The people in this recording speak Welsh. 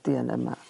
Dee En yma.